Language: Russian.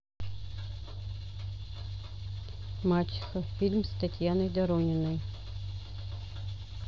мачеха фильм с татьяной дорониной